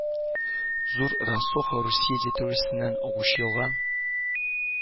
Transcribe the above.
Зур Рассоха Русия территориясеннән агучы елга